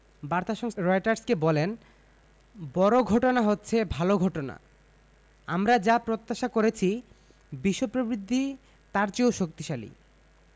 বার্তা সংস্থা রয়টার্সকে বলেন বড় ঘটনা হচ্ছে ভালো ঘটনা আমরা যা প্রত্যাশা করেছি বিশ্ব প্রবৃদ্ধি তার চেয়েও শক্তিশালী